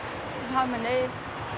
thôi mình đi